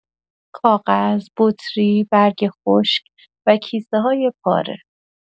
کاغذ، بطری، برگ خشک و کیسه‌های پاره.